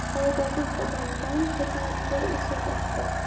foydasiz odamdan xizmatkor eshak afzal